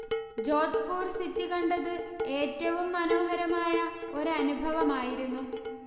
Jodhpur city കണ്ടത് ഏറ്റവും മനോഹരമായ ഒരനുഭവമായിരുന്നു